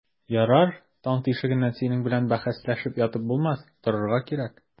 Ярар, таң тишегеннән синең белән бәхәсләшеп ятып булмас, торырга кирәк.